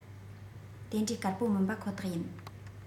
དེ འདྲའི དཀར བོ མིན པ ཁོ ཐག ཡིན